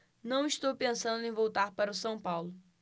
não estou pensando em voltar para o são paulo